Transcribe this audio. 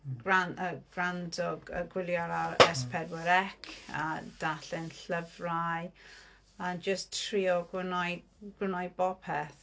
Gwran- yy gwrando... G- gwylio'r ar S4C a darllen llyfrau , a jyst trio gwneu- gwneud bob peth.